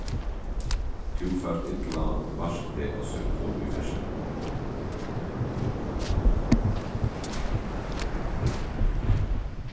tú fært illa vart teg á súkklu í ferðsluni